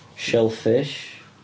Shellfish.